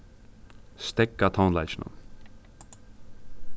steðga tónleikinum